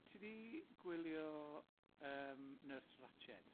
Ti 'di gwylio, yym, Nurse Ratched?